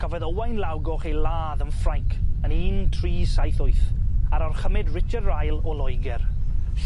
Cafodd Owain Lawgoch ei ladd yn Ffrainc yn un tri saith wyth, ar orchymyd Richard 'r ail o Loeger,